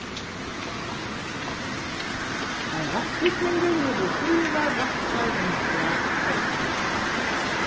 ein rætthyrningur hevur fýra rættar vinklar